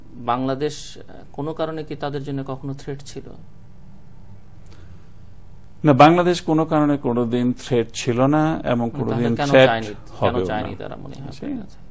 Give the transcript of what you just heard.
বাংলাদেশে কোন কারনে কি তাদের জন্য কখনো থ্রেট ছিল না বাংলাদেশ কোনো কারনেই কোনদিন থ্রেট ছিল না এবং থ্রেট হবে ও না এবং কেন চায়নি তারা